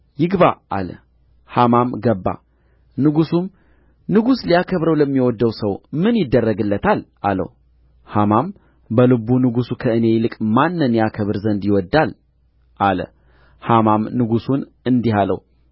ይግባ አለ ሐማም ገባ ንጉሡም ንጉሡ ሊያከብረው ለሚወድደው ሰው ምን ይደረግለታል አለው ሐማም በልቡ ንጉሡ ከእኔ ይልቅ ማንን ያከብር ዘንድ ይወድዳል አለ ሐማም ንጉሡን እንዲህ አለው